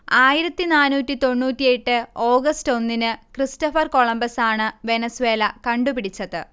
ആയിരത്തി നാനൂറ്റി തൊണ്ണൂറ്റിയെട്ട് ഓഗസ്റ്റ് ഒന്നിന് ക്രിസ്റ്റഫർ കൊംളമ്പസാണ് വെനസ്വേല കണ്ടുപിടിച്ചത്